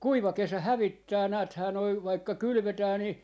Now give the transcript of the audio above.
kuiva kesä hävittää näethän noin vaikka kylvetään niin